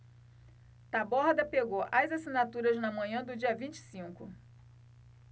taborda pegou as assinaturas na manhã do dia vinte e cinco